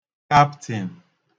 kaptịn